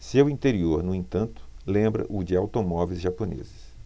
seu interior no entanto lembra o de automóveis japoneses